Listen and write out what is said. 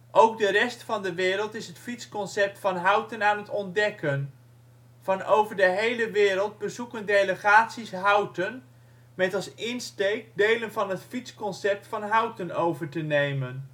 Ook de rest van de wereld is het fietsconcept van Houten aan het ontdekken: van over de hele wereld bezoeken delegaties Houten met als insteek (delen van) het fietsconcept van Houten over te nemen